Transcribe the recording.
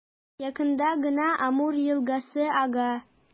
Якында гына Амур елгасы ага.